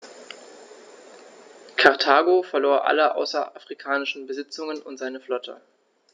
Karthago verlor alle außerafrikanischen Besitzungen und seine Flotte.